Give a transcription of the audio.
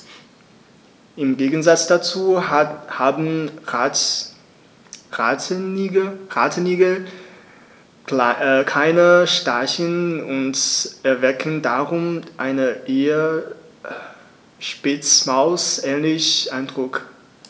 Im Gegensatz dazu haben Rattenigel keine Stacheln und erwecken darum einen eher Spitzmaus-ähnlichen Eindruck.